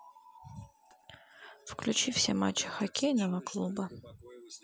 включи все матчи хоккейного клуба